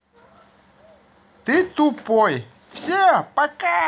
ты тупой все пока